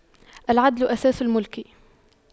العدل أساس الْمُلْك